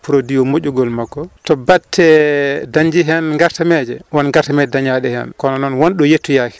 produit o moƴƴugol makko to batte dañde hen gartameje won gartameje dañaɗe hen kono won ɗo yettoyaki